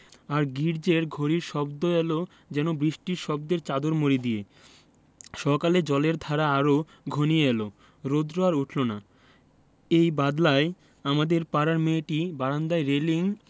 আর গির্জ্জের ঘড়ির শব্দ এল যেন বৃষ্টির শব্দের চাদর মুড়ি দিয়ে সকালে জলের ধারা আরো ঘনিয়ে এল রোদ্র আর উঠল না এই বাদলায় আমাদের পাড়ার মেয়েটি বারান্দায় রেলিঙ